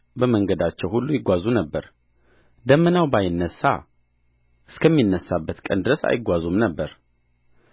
በመንገዳቸውም ሁሉ ይጓዙ ነበር ደመናው ባይነሣ እስከሚነሣበት ቀን ድረስ አይጓዙም ነበር